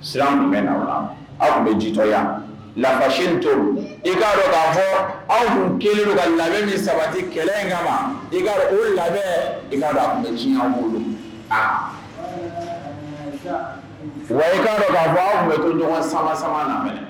Sira tun bɛ na la aw bɛ jitɔya laadasi to i k kaa h aw tun kelen u ka lamɛn ni sabati kɛlɛ in kama i ka o labɛn i ka bɛ bolo wa i'a a bɔ aw tun koɲɔgɔn sama sama lamɛn